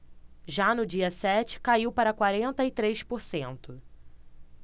já no dia sete caiu para quarenta e três por cento